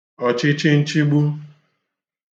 ọ̀chịchịnchigbu